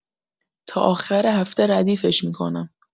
تا آخر هفته ردیفش می‌کنم.